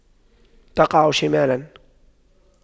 تقع شمالا